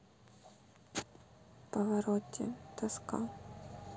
pavarotti тоска